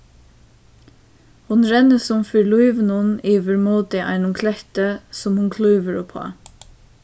hon rennur sum fyri lívinum yvir móti einum kletti sum hon klívur uppá